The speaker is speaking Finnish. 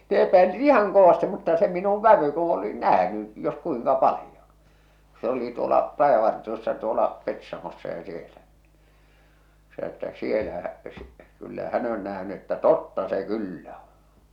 ne epäili ihan kovasti mutta se minun vävy kun oli nähnyt jos kuinka paljon kun se oli tuolla rajavartiossa tuolla Petsamossa ja siellä se sanoi että siellä kyllä hän on nähnyt että totta se kyllä on